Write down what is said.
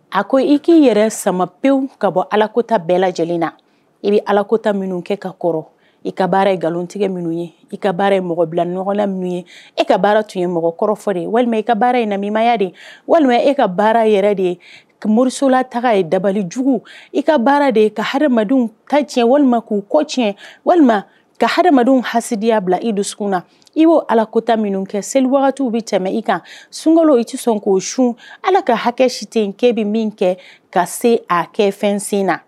A ko i k'i yɛrɛ sama pewu ka bɔ alakota bɛɛ lajɛlen na i bɛ alakota minnu kɛ ka kɔrɔ i ka baara ye nkalontigɛ minnu ye i ka baara ye mɔgɔ bila nɔgɔla minnu ye e ka baara tun ye mɔgɔkɔrɔ fɔ de ye walima i ka baara inmimaya de ye walima e ka baara yɛrɛ de ye morisola taga ye dabalijugu i ka baara de ye kadenw ka tiɲɛ walima k'u kɔ tiɲɛ walima kadenw hadenyaya bila i don sun na i y'o alakota minnu kɛ seli wagatiw bɛ cɛ i kan sunkololo i tɛ sɔn k'o sunun ala ka hakɛ si tɛ kɛ bɛ min kɛ ka se a kɛfɛnsen na